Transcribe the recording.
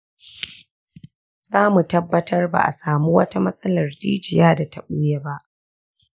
zamu tabbatar ba a samu wata matsalar jijiya data buya ba.